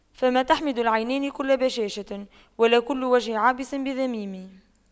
فما تحمد العينان كل بشاشة ولا كل وجه عابس بذميم